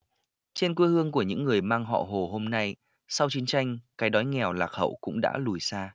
trên quê hương của những người mang họ hồ hôm nay sau chiến tranh cái đói nghèo lạc hậu cũng đã lùi xa